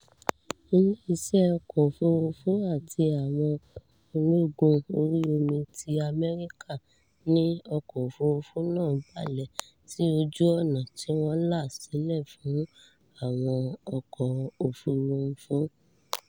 Ilé-iṣẹ́ ọkọ̀-òfúrufú àti àwọn ológun orí-omí ti Amẹ́ríkà ní ọkọ̀-òfúrufú náà balẹ̀ sí ojú-ọ̀nà tí wọ́n là sílẹ̀ fún àwọn ọkọ̀-òfúrufú.